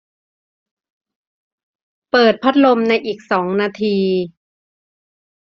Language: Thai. เปิดพัดลมในอีกสองนาที